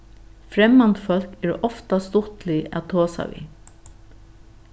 fremmand fólk eru ofta stuttlig at tosa við